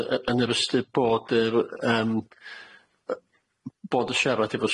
y- y- yn yr ystyr bod yr yym y- bod y sharad efo